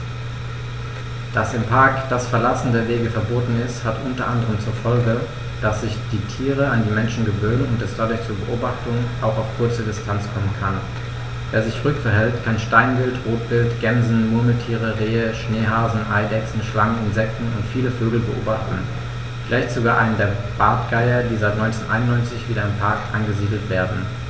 Dass im Park das Verlassen der Wege verboten ist, hat unter anderem zur Folge, dass sich die Tiere an die Menschen gewöhnen und es dadurch zu Beobachtungen auch auf kurze Distanz kommen kann. Wer sich ruhig verhält, kann Steinwild, Rotwild, Gämsen, Murmeltiere, Rehe, Schneehasen, Eidechsen, Schlangen, Insekten und viele Vögel beobachten, vielleicht sogar einen der Bartgeier, die seit 1991 wieder im Park angesiedelt werden.